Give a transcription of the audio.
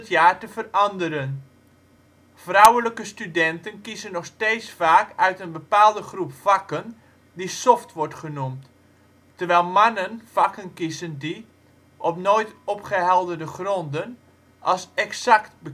jaar te veranderen. Vrouwelijke studenten kiezen nog steeds vaak uit een bepaalde groep vakken die " soft " wordt genoemd, terwijl mannen vakken kiezen die (op nooit opgehelderde gronden) als " exact